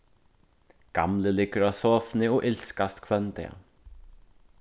gamli liggur á sofuni og ilskast hvønn dag